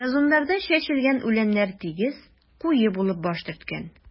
Газоннарда чәчелгән үләннәр тигез, куе булып баш төрткән.